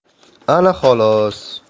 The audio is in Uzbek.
ana xolos